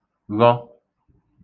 ghọ